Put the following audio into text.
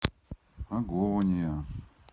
агония